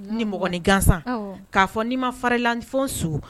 Ni mi gansan k'a fɔ ni ma farila su